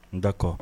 D'accord